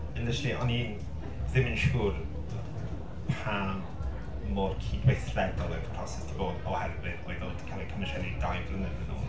Initially o'n i ddim yn siwr pa mor cydweithredol oedd y proses 'di bod, oherwydd oedd o 'di cael ei comisiynu dau flynedd yn ôl.